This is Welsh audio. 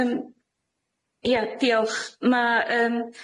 Yym, ia diolch. Ma' yym